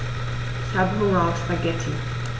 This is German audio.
Ich habe Hunger auf Spaghetti.